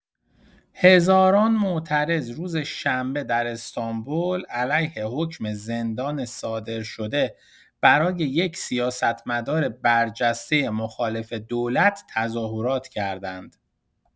هزاران معترض روز شنبه در استانبول علیه حکم زندان صادر شده برای یک سیاستمدار برجسته مخالف دولت تظاهرات کردند.